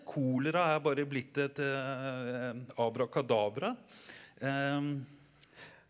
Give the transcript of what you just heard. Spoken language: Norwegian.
kolera er bare blitt et abrakadabra .